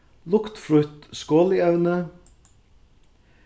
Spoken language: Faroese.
luktfrítt skolievni